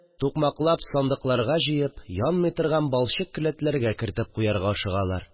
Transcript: Тукмаклап сандыкларга җып, янмый торган балчык келәтләргә кертеп куярга ашыгалар